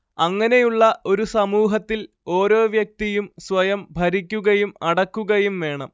അങ്ങനെയുള്ള ഒരു സമൂഹത്തിൽ ഒരോ വ്യക്തിയും സ്വയം ഭരിക്കുകയും അടക്കുകയും വേണം